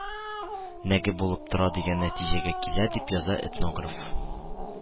Нәге булып тора дигән нәтиҗәгә килә» дип яза этнограф